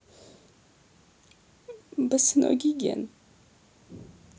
босоногий ген